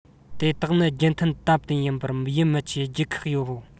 དེ དག ནི རྒྱུན མཐུད དམ དུ ཡིན པར ཡིད མི ཆེས རྒྱུ ཁག པོ ཡིན